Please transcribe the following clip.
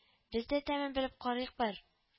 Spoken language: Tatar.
– без дә тәмен белеп карыйк бер